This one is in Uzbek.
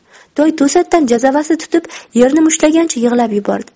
toy to'satdan jazavasi tutib yerni mushtlagancha yig'lab yubor di